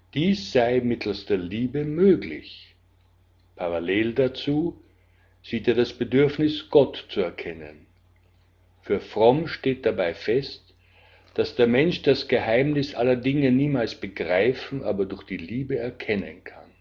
Dies sei mittels der Liebe möglich. Parallel dazu sieht er das Bedürfnis, Gott zu erkennen. Für Fromm steht dabei fest, dass der Mensch das Geheimnis aller Dinge niemals begreifen, aber durch die Liebe erkennen kann